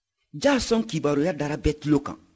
jaason kibaruya dara bɛɛ tulo kan